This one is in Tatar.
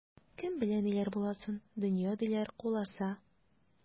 Кем белә ниләр буласын, дөнья, диләр, куласа.